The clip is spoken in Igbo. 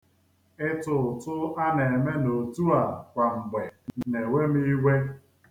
Ịtụ ụtụ a na-eme n'otu a kwamgbe na-ewe m iwe.